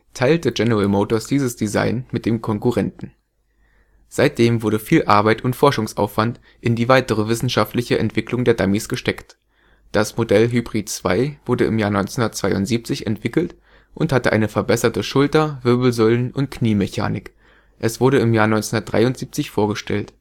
teilte General Motors dieses Design mit den Konkurrenten. Seitdem wurde viel Arbeit und Forschungsaufwand in die weitere wissenschaftliche Entwicklung der Dummies gesteckt. Das Modell Hybrid II wurde im Jahr 1972 entwickelt und hatte eine verbesserte Schulter -, Wirbelsäulen - und Knie-Mechanik; es wurde im Jahr 1973 vorgestellt